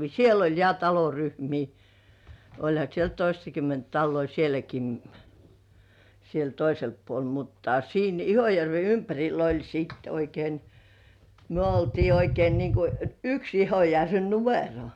siellä oli ja taloryhmiä olihan siellä toistakymmentä taloja sielläkin niin siellä toisella puolella mutta siinä Ihojärven ympärillä oli sitten oikein me oltiin oikein niin kuin yksi Ihojärven numero